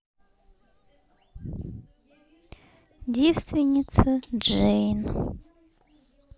девственница джейн